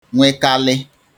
nwekalị